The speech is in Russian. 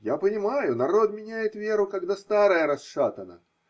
Я понимаю, народ меняет веру, когда старая расшатана.